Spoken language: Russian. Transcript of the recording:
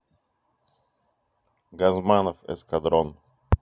газманов эскадрон